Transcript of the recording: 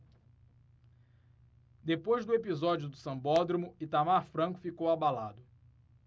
depois do episódio do sambódromo itamar franco ficou abalado